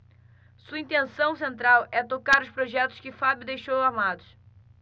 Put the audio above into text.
sua intenção central é tocar os projetos que o fábio deixou armados